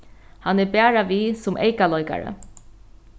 hann er bara við sum eykaleikari